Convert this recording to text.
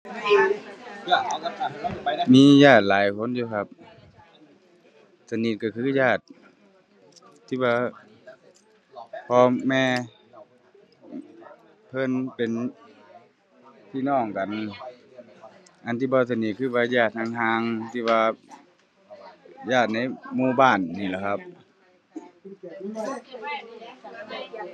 มีญาติหลายคนอยู่ครับ สนิทก็คือญาติที่ว่าพ่อแม่เพิ่นเป็นพี่น้องกัน อันที่บ่สนิทคือว่าญาติห่างห่าง ที่ว่าญาติในหมู่บ้านนี่ล่ะครับ